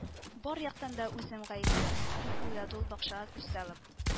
Бар яктан да үзем гаепле,—дип уйлады ул бакчага күз салып